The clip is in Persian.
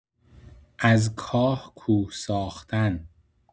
از کاه کوه ساختن